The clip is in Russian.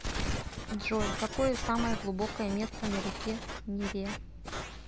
джой какое самое глубокое место на реке неве